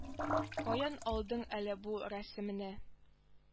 Каян алдың әле бу рәсемне